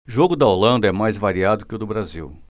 jogo da holanda é mais variado que o do brasil